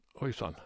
Oi sann.